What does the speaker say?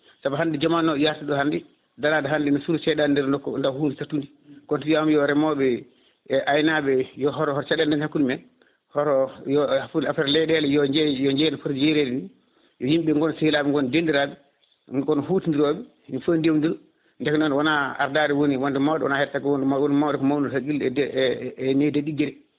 saabu hande jamanu o yarata ɗo hande darade hande ne suura seyɗade ender nokku daw hunde sattude kono to wiyama remoɓe e aynaɓe yo hoto caɗele dañ hakkude mumen oto yo affaire leyɗele yo jeeye no pooti yeride ni yo yimɓe goon sehilaɓe gona dendiraɓe goona funtodiroɓe yimɓe foof dewdira guesa noon wona ardade woni wonde mawɗo wona hedde caggal woni mawɗo woni mawɗo ko mawɗo haqqille e e needi e ɗigguere